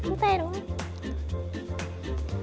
cu te đúng không